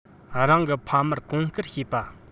རང གི ཕ མར གོང བཀུར བྱེད པ